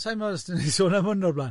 Sai'n gwbo' os dan ni'n sôn am hwn o'r blaen.